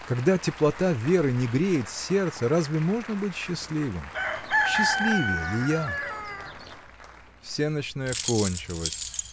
когда теплота веры не греет сердца, разве можно быть счастливым? Счастливее ли я? Всенощная кончилась.